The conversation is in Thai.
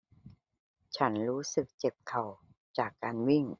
ฉันรู้สึกเจ็บเข่าจากการวิ่ง